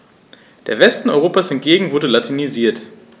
Der Westen Europas hingegen wurde latinisiert.